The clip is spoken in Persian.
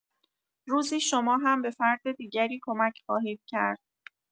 روزی شما هم به فرد دیگری کمک خواهید کرد.